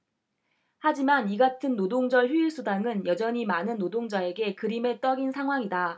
하지만 이같은 노동절 휴일수당은 여전히 많은 노동자에게 그림의 떡인 상황이다